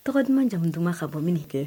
Tɔgɔ duman jamu duman ka bɔ min kɛ